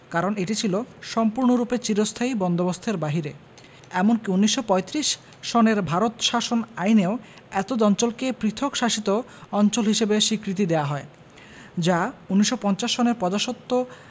কারণ এটি ছিল সম্পূর্ণরূপে চিরস্থায়ী বন্দোবস্তের বাহিরে এমনকি ১৯৩৫ সনের ভারত শাসন আইনেও এতদ অঞ্চলকে পৃথক শাসিত অঞ্চল হিসেবে স্বীকৃতি দেয়া হয় যা ১৯৫০ সনের প্রজাস্বত্ব